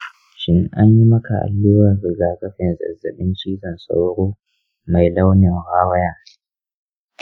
shin an yi maka allurar rigakafin zazzaɓin cizon sauro mai launin rawaya?